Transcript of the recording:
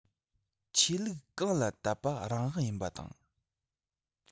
ཆོས ལུགས གང ལ དད པ རང དབང ཡིན པ དང